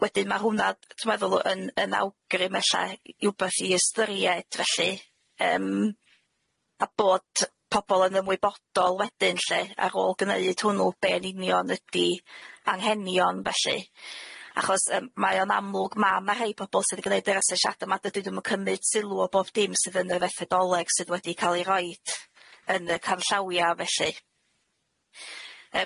Wedyn ma' hwnna d- dwi meddwl yn yn awgrym ella i wbath i ystyried felly. Yym a bod t- pobol yn ymwybodol wedyn lle ar ôl gneud hwnnw be' yn union ydi anghenion felly achos yym mae o'n amlwg ma' ma' rhei pobol sydd yn gneud yr asesiade ma' dydyn nw'm yn cymyd sylw o bob dim sydd yn y fethedoleg sydd wedi ca'l i roid yn y canllawia felly.